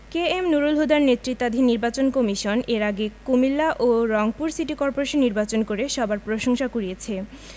কে M Nurul হুদার নেতৃত্বাধীন নির্বাচন কমিশন এর আগে কুমিল্লা ও রংপুর সিটি করপোরেশন নির্বাচন করে সবার প্রশংসা কুড়িয়েছে